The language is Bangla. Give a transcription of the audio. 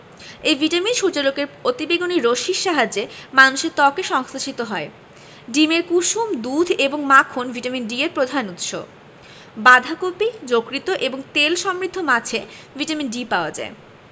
এই ভিটামিন সূর্যালোকের অতিবেগুনি রশ্মির সাহায্যে মানুষের ত্বকে সংশ্লেষিত হয় ডিমের কুসুম দুধ এবং মাখন ভিটামিন D এর প্রধান উৎস বাঁধাকপি যকৃৎ এবং তেল সমৃদ্ধ মাছে ভিটামিন D পাওয়া যায়